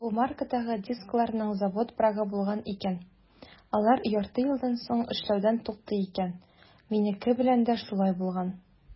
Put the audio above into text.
Бу маркадагы дискларның завод брагы булган икән - алар ярты елдан соң эшләүдән туктый икән; минеке белән дә шулай булган.